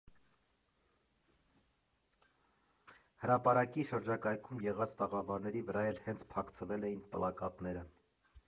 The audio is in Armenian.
Հրապարակի շրջակայքում եղած տաղավարների վրա էլ հենց փակցվել էին պլակատները։